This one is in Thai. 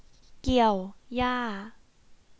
เกี่ยวหญ้า